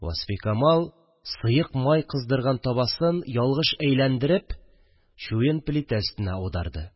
Васфикамал сыек май кыздырган табасын ялгыш әйләндереп, чуен плита өстенә аударды